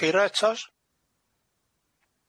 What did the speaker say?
Ceira eto.